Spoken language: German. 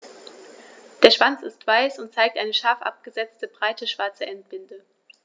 Der Schwanz ist weiß und zeigt eine scharf abgesetzte, breite schwarze Endbinde.